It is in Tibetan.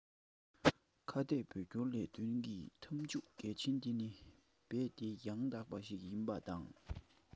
ཁ གཏད བོད སྐྱོར ལས དོན གྱི ཐབས ཇུས གལ ཆེན དེ ནི རྦད དེ ཡང དག པ ཞིག ཡིན པ དང